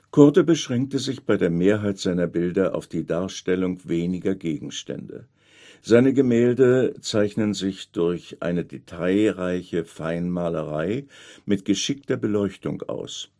Coorte beschränkte sich bei der Mehrheit seiner Bilder auf die Darstellung weniger Gegenstände. Seine Gemälde zeichnen sich durch eine detailreiche Feinmalerei mit geschickter Beleuchtung aus